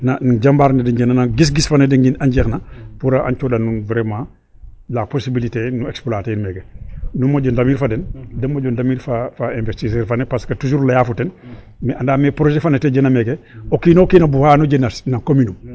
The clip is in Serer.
Na na jambar ne da njegna, no guisguis fo ne de njegna pour a coox a nuun vraiment la possibliter nu exploiter in meke nu moƴo ndamir fo den, da moƴo ndamir fa investir fa ne .Parce que toujours laya fa den mais ande me projet fa ne ta jegna meeke o kiin o kiin a bugan o jeg na commune um.